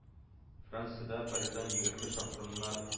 Франциядә, Париждан егерме чакрымнар